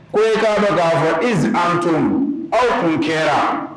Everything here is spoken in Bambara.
Ko e'a bɛ'a fɔ izi an tun aw kun kɛra